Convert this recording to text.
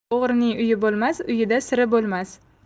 o'g'rining uyi bo'lmas uyida siri bo'lmas